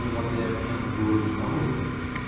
uyg'otayotgan bu nima o'zi